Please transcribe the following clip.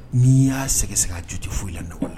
N'i y'a sɛgɛ segin ka jo foyi la don